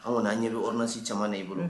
Anw' an ɲɛ bɛrsi caman na i bolo